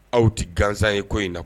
Aw tɛ gansan ye ko in na